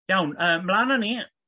Iawn yy 'mlan a ni.